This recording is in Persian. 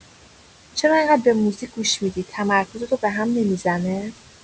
چرا اینقدر به موزیک گوش می‌دی، تمرکزتو بهم نمی‌زنه؟